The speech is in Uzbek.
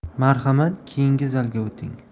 marhamat keyingi zalga 'ting